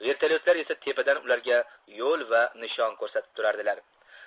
vertolyotlar esa tepadan ularga yo'l va nishon ko'rsatib turardilar